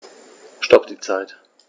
Stopp die Zeit